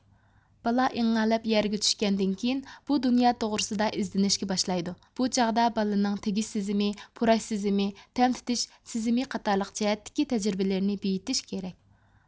بالا ئىڭەللەپ يەرگە چۈشكەندىن كېيىن بۇ دۇنيا توغرىسىدا ئىزدىنىشكە باشلايدۇ بۇ چاغدا بالىنىڭ تېگىش سېزىمى پۇراش سېزىمى تەم تېتىش سېزىمى قاتارلىق جەھەتتىكى تەجرىبىلىرىنى بېيىتىش كېرەك